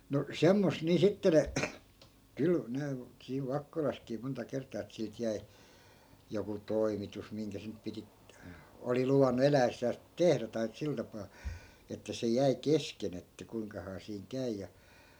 no semmoista niin sitten ne kyllä ne siinä Vakkolassakin monta kertaa että siltä jäi joku toimitus minkä se nyt piti oli luvannut eläessään tehdä tai sillä tapaa että se jäi kesken että kuinkahan siinä käy ja